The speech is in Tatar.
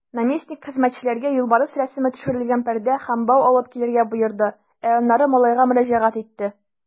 Наместник хезмәтчеләргә юлбарыс рәсеме төшерелгән пәрдә һәм бау алып килергә боерды, ә аннары малайга мөрәҗәгать итте.